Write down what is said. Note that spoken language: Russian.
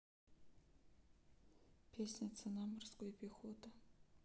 песня цена морской пехоты